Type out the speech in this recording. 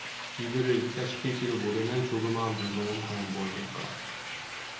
이들을 익사시킬지도 모르는 조그마한 물결은 과연 무엇일까